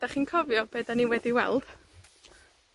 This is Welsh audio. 'Dach chi'n cofio be' 'dyn ni wedi weld?